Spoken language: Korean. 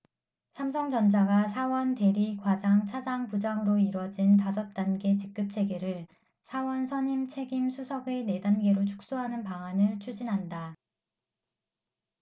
삼성전자가 사원 대리 과장 차장 부장으로 이뤄진 다섯 단계 직급체계를 사원 선임 책임 수석의 네 단계로 축소하는 방안을 추진한다